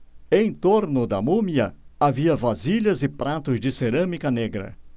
em torno da múmia havia vasilhas e pratos de cerâmica negra